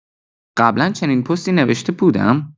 قبلا چنین پستی نوشته بودم؟